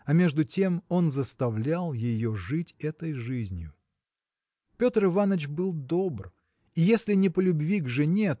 а между тем он заставлял ее жить этою жизнью. Петр Иваныч был добр и если не по любви к жене